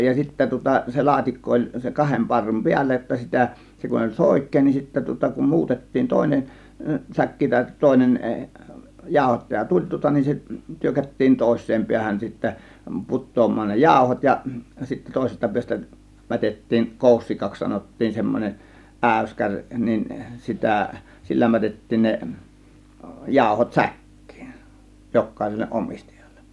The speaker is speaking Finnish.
ja sitten tuota se laatikko oli se kahden parrun päällä jotta sitä se kun oli soikea niin sitten tuota kun muutettiin toinen säkki tai toinen jauhottaja tuli tuota niin se tyrkättiin toiseen päähän sitten putoamaan ne jauhot ja sitten toisesta päästä mätettiin koussikaksi sanottiin semmoinen äyskäri niin sitä sillä mätettiin ne jauhot säkkiin jokaiselle omistajalle